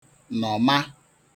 nọ̀ma